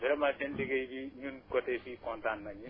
vraiment seen liggéey bi ñun côté fii kontaan nañ